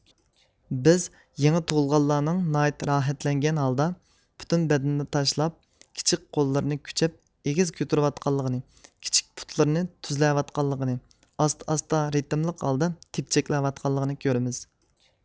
بىز يېڭى تۇغۇلغانلارنىڭ ناھايىتى راھەتلەنگەن ھالدا پۈتۈن بەدىنىنى تاشلاپ كىچىك قوللىرىنى كۈچەپ ئېگىز كۆتۈرۈۋاتقانلىقىنى كىچىك پۇتلىرىنى تۈزلەۋاتقانلىقىنى ئاستا ئاستا رىتىملىق ھالدا تېپچەكلەۋاتقانلىقىنى كۆرىمىز